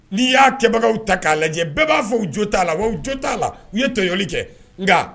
N'i y'a kɛbagaw ta k'a lajɛ bɛɛ b'a fɔ jo t'a la jo t'a la u ye tɔyli kɛ nka